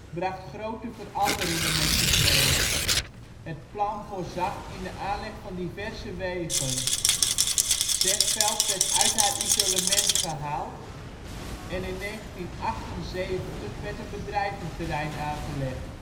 bracht grote veranderingen met zich mee. Het plan voorzag in de aanleg van diverse wegen. Zegveld werd uit haar isolement gehaald en in 1978 werd een bedrijventerrein aangelegd